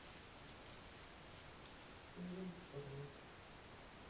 фильм крот